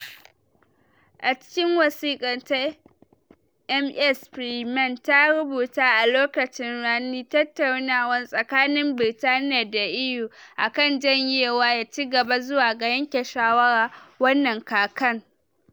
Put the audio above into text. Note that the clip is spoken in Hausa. A cikin wasikar ta, Ms Freeman ta rubuta: "A lokacin rani, tattaunawar tsakanin Birtaniya da EU a kan janyewa ya ci gaba, zuwa ga yanke shawarar wannan kakan.